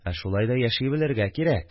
Ә шулай да яши белергә кирәк